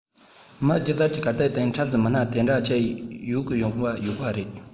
མི སྒྱུ རྩལ གྱི གར སྟེགས སྟེང འཁྲབ བྱའི མི སྣ དེ འདྲ གཅིག ཡོང གི ཡོད པ རེད